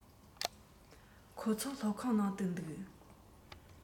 ཁོ ཚོ སློབ ཁང ནང དུ འདུག